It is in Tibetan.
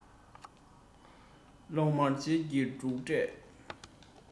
གློག དམར རྗེས ཀྱི འབྲུག སྒྲས